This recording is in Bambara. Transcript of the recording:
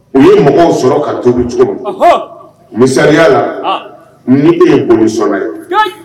U ye mɔgɔw sɔrɔ ka tobi cogo kɔnɔ misaya la ni ko ye ŋ sɔnna ye